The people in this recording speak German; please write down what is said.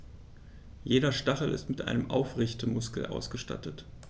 Jeder Stachel ist mit einem Aufrichtemuskel ausgestattet.